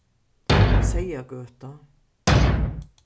seyðagøta